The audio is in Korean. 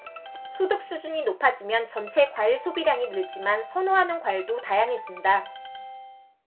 소득 수준이 높아지면 전체 과일 소비량이 늘지만 선호하는 과일도 다양해진다